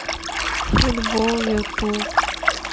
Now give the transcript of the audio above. футбол ютуб